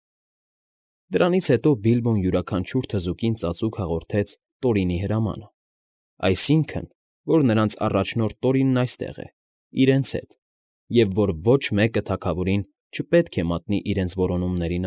Դրանից հետո Բիլբոն յուրաքանչյուր թզուկի ծածուկ հաղորդեց Տորինի հրամանը, այսինքն՝ որ նրանց առաջնորդ Տորինն այստեղ է, իրենց հետ, և որ ոչ մեկը թագավորին չպետք է մատնի իրենց որոնումների։